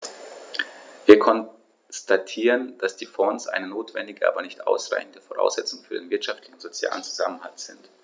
Wir konstatieren, dass die Fonds eine notwendige, aber nicht ausreichende Voraussetzung für den wirtschaftlichen und sozialen Zusammenhalt sind.